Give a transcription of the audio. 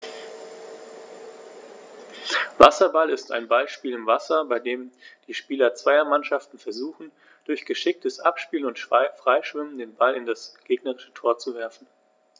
Wasserball ist ein Ballspiel im Wasser, bei dem die Spieler zweier Mannschaften versuchen, durch geschicktes Abspielen und Freischwimmen den Ball in das gegnerische Tor zu werfen.